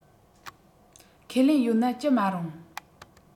ཁས ལེན ཡོད ན ཅི མ རུང